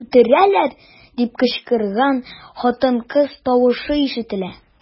"үтерәләр” дип кычкырган хатын-кыз тавышы ишетелә.